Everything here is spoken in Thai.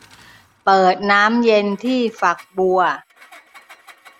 เปิดน้ำเย็นที่ฝักบัว